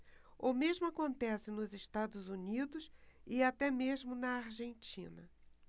o mesmo acontece nos estados unidos e até mesmo na argentina